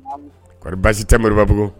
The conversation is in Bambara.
Basi tɛ moribabugu